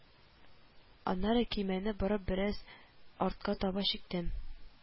Аннары көймәне борып, бераз артка таба чиктем